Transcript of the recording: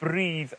bridd